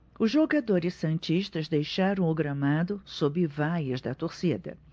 os jogadores santistas deixaram o gramado sob vaias da torcida